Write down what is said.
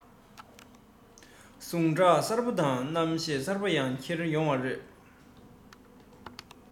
ཟུངས ཁྲག གསར པ དང རྣམ ཤེས གསར པ ཡང ཁྱེར ཡོང བ རེད